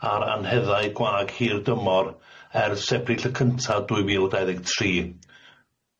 a'r anheddau gwag hir dymor ers Ebrill y cynta dwy fil dau ddeg tri.